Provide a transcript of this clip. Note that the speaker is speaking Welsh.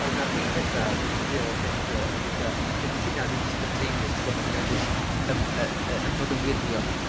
Herwydd ma' rhei petha, dwi 'di ffraeo efo fy ffrind fi, herwydd dwi fatha "dydy hynna ddim yn spontaneous, ti'n gwbod, mae hynna jyst yn ymm yy yy yn bod yn wirion".